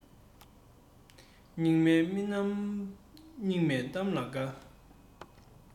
སྙིགས མའི མི རྣམས སྙིགས མའི གཏམ ལ དགའ